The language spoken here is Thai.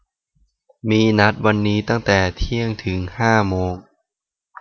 มีนัดวันนี้ตั้งแต่เที่ยงถึงห้าโมง